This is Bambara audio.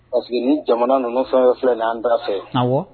Parceque nin jamana nunun fɛn fɛn filɛ nin ye an da fɛ Unhun